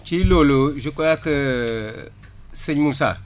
ci loolu je crois que sëñ Moussa